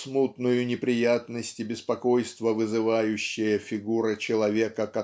смутную неприятность и беспокойство вызывающая фигура человека